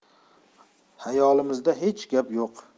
xayolimizda hech gap yo'q